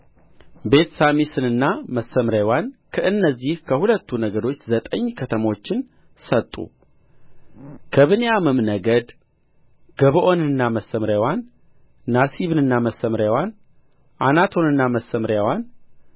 ቤትሳሚስንና መሰምርያዋን ከእነዚህ ከሁለቱ ነገዶች ዘጠኝ ከተሞችን ሰጡ ከብንያምም ነገድ ገባዖንንና መሰምርያዋን ናሲብንና መሰምርያዋን አናቶትንና መሰምርያዋን